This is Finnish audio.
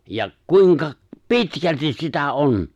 ja kuinka pitkälti sitä on